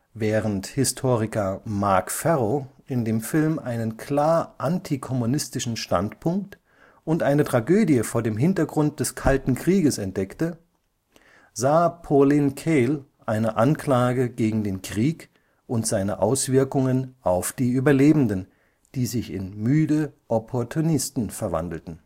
Während Historiker Marc Ferro in dem Film einen klar antikommunistischen Standpunkt und eine Tragödie vor dem Hintergrund des Kalten Krieges entdeckte, sah Pauline Kael eine Anklage gegen den Krieg und seine Auswirkungen auf die Überlebenden, die sich in müde Opportunisten verwandelten